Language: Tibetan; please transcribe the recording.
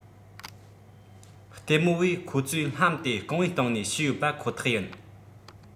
ལྟད མོ བས ཁོ ཚོས ལྷམ དེ རྐང བའི སྟེང ནས བཤུས ཡོད པ ཁོ ཐག ཡིན